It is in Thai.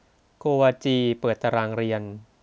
โกวาจีเปิดตารางเรียน